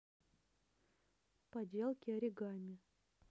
поделки оригами